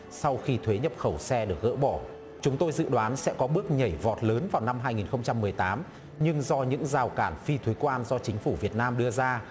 sau khi thuế nhập khẩu xe được gỡ bỏ chúng tôi dự đoán sẽ có bước nhảy vọt lớn vào năm hai nghìn không trăm mười tám nhưng do những rào cản phi thuế quan do chính phủ việt nam đưa ra